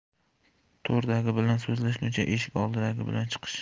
to'rdagi bilan so'zlashguncha eshik oldidagi bilan chiqish